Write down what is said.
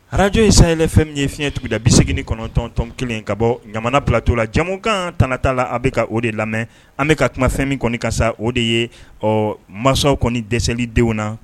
Ararakaj in ye sanyɛlɛ fɛn min ye fiɲɛɲɛuguda bise kɔnɔntɔntɔnon kelen in ka bɔ ɲamana bilato la jamumukan tta la an bɛka ka o de lamɛn an bɛka ka kuma fɛn min kɔni kasa o de ye ɔ masaw kɔni dɛsɛdenw na